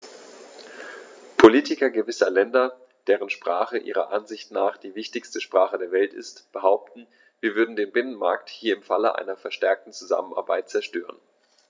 Politiker gewisser Länder, deren Sprache ihrer Ansicht nach die wichtigste Sprache der Welt ist, behaupten, wir würden den Binnenmarkt hier im Falle einer verstärkten Zusammenarbeit zerstören.